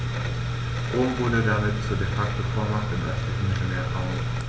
Rom wurde damit zur ‚De-Facto-Vormacht‘ im östlichen Mittelmeerraum.